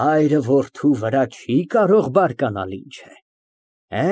Հայրը որդու վրա չի՞ կարող բարկանալ, ինչ է։